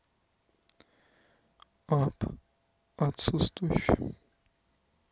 об отсутствующем